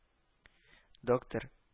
— доктор